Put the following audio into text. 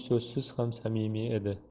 so'zsiz ham samimiy edi